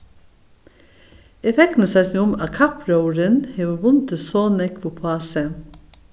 eg fegnist eisini um at kappróðurin hevur vundið so nógv upp á seg